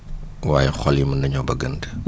waaye xol yi mun nañoo bëggante